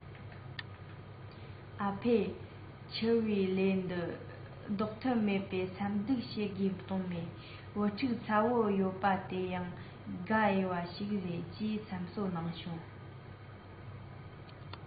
ཨ ཕས འཆི བའི ལས འདི ལྡོག ཐབས མེད པས སེམས སྡུག བྱེད དགོས དོན མེད བུ ཕྲུག ཚ བོ ཡོད པ དེ ཡང དགའ འོས པ ཞིག རེད ཅེས སེམས གསོ གནང བྱུང